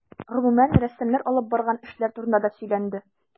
Гомүмән, рәссамнар алып барган эшләр турында да сөйләнде.